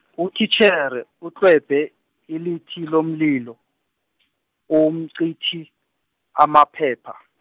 utitjhere utlwebhe, ilithi lomlilo, umcithi, amaphepha.